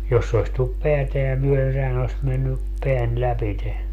jos se olisi tullut päätään myöden sehän olisi mennyt pään lävitse